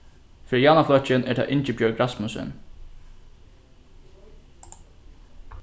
fyri javnaðarflokkin er tað ingibjørg rasmussen